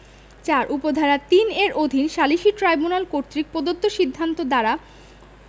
৪ উপ ধারা ৩ এর অধীন সালিসী ট্রাইব্যুনাল কর্তৃক প্রদত্ত সিদ্ধান্ত দ্বারা